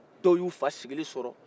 dɔw y'u fa sigilen sɔrɔ